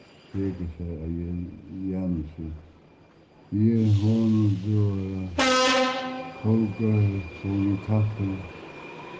tekur sær av janusi ger honum døgurða kókar honum kaffi